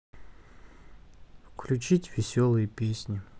включить веселые песни